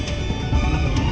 phương